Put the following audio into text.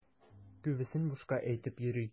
Күбесен бушка әйтеп йөри.